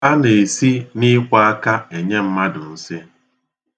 A na-esi n'ikwe aka enye mmadụ nsị